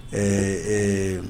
Ee ee